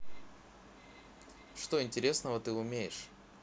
что интересного ты умеешь